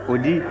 o di